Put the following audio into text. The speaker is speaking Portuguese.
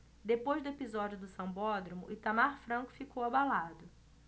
depois do episódio do sambódromo itamar franco ficou abalado